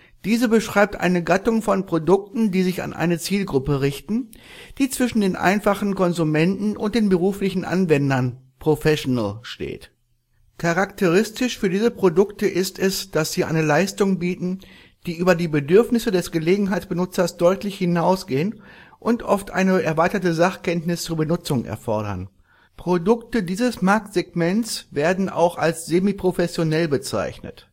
Diese beschreibt eine Gattung von Produkten, die sich an eine Zielgruppe richten, die zwischen den einfachen Konsumenten und den beruflichen Anwendern („ professional “) steht. Charakteristisch für diese Produkte ist es, dass sie eine Leistung bieten, die über die Bedürfnisse des Gelegenheitsbenutzers deutlich hinausgehen und oft eine erweiterte Sachkenntnis zur Benutzung erfordern. Produkte dieses Marktsegments werden auch als „ semiprofessionell “bezeichnet